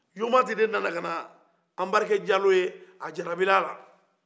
yomati de nana ka na anbarike jalo ye a jarabila a la